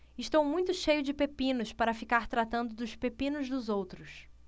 estou muito cheio de pepinos para ficar tratando dos pepinos dos outros